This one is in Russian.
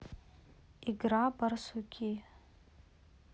игра барсуки